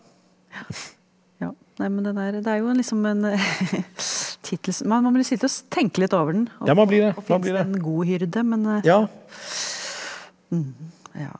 ja ja nei men det der det er jo en liksom en tittel som man man blir sittende og tenke litt over den og fins det en god hyrde men ja ja.